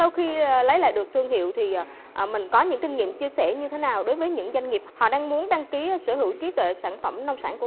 sau khi lấy lại được thương hiệu thì mình có những kinh nghiệm chia sẻ như thế nào đối với những doanh nghiệp họ đang muốn đăng ký sở hữu trí tuệ sản phẩm nông sản của